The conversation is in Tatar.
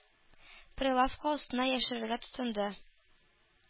Прилавка астына яшерергә тотынды.